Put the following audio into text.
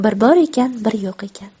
bir bor ekan bir yo'q ekan